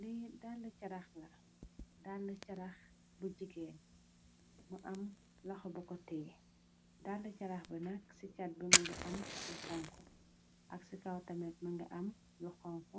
li dali caraax la, daali caraax bu jigeen. Mu am laxo boko téyi. Dalli caraax bi nakk ci cat bi mu ngi am lu xonko ak ci kaw tamit mu ngi am lu xonko